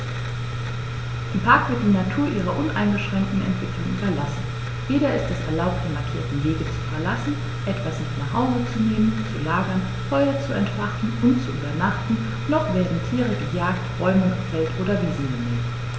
Im Park wird die Natur ihrer uneingeschränkten Entwicklung überlassen; weder ist es erlaubt, die markierten Wege zu verlassen, etwas mit nach Hause zu nehmen, zu lagern, Feuer zu entfachen und zu übernachten, noch werden Tiere gejagt, Bäume gefällt oder Wiesen gemäht.